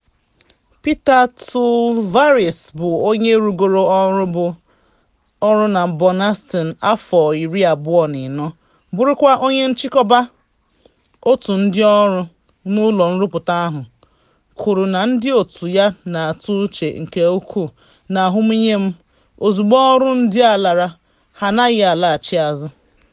Peter Tsouvallaris, bụ onye rụgoro ọrụ na Burnaston afọ 24, bụrụkwa onye nchịkọba otu ndị ọrụ n’ụlọ nrụpụta ahụ, kwuru na ndị otu ya na-atụ uche nke ukwuu: “N’ahụmihe m, ozugbo ọrụ ndị a lara, ha anaghị alaghachi azụ.